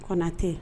Konatɛ